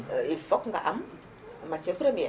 il faut que nga am matière première